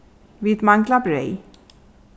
vit mangla breyð